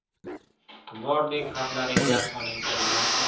tumordek xatlaringdan onang aylansin